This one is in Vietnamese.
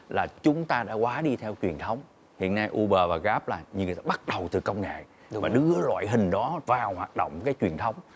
là chúng ta đã quá đi theo truyền thống hiện nay u bơ và gờ ráp là người ta bắt đầu từ công nghệ và đưa loại hình đó vào hoạt động cái truyền thống